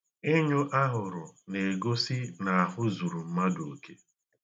Ịnyụ ahụrụ na-egosi na ahụ zụrụ mmadụ oke.